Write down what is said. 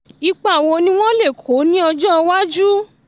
Ipa wo ni wọ́n lè kó ní ọjọ́-iwájú?